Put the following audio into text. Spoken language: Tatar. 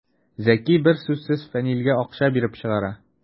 Зәки бер сүзсез Фәнилгә акча биреп чыгара.